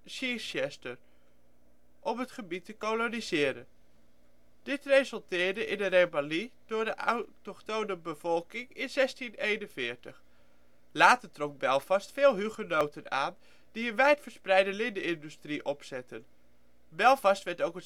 Chichester om het gebied te koloniseren. Dit resulteerde in een rebellie door de autochtone bevolking in 1641. Later trok Belfast veel hugenoten aan, die een wijdverspreide linnenindustrie opzetten. Belfast werd ook